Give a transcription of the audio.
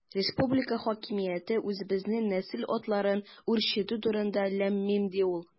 Республика хакимияте үзебезнең нәсел атларын үрчетү турында– ләм-мим, ди ул.